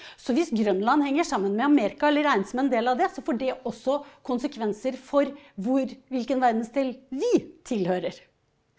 så hvis Grønland henger sammen med Amerika eller regnes som en del av det så får det også konsekvenser for hvor hvilken verdensdel vi tilhører.